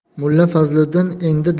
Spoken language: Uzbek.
mulla fazliddin endi